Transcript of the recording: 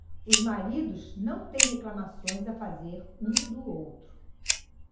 os maridos não têm reclamações a fazer um do outro